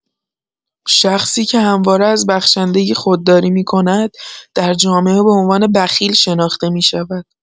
شخصی که همواره از بخشندگی خودداری می‌کند، در جامعه به عنوان بخیل شناخته می‌شود.